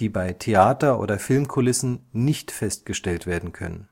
die bei Theater - oder Filmkulissen nicht festgestellt werden können